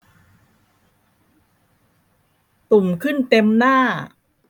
ตุ่มขึ้นเต็มหน้า